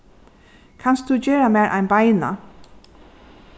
kanst tú gera mær ein beina